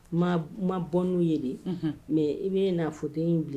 Ma bɔn n'u ye mɛ i ye'a fo tɛ in bilen